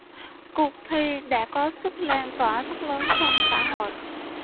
cuộc thi đã có sức lan tỏa rất lớn trong xã hội